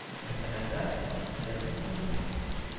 — нәрсә-нәрсә? рәсем дисеңме?